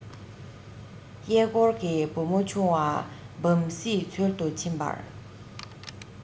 གཡས བསྐོར གྱིས བུ མོ ཆུང བ བམ སྲིད འཚོལ དུ ཕྱིན པར